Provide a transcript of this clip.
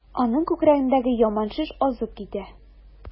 Аның күкрәгендәге яман шеш азып китә.